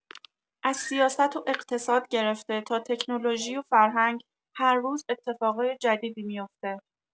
از سیاست و اقتصاد گرفته تا تکنولوژی و فرهنگ، هر روز اتفاقای جدیدی میفته.